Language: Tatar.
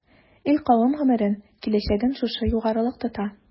Ил-кавем гомерен, киләчәген шушы югарылык тота.